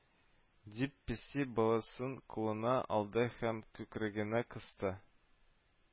Дип, песи баласын кулына алды һәм күкрәгенә кысты